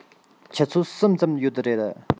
ཆུ ཚོད གསུམ ཙམ ཡོད རེད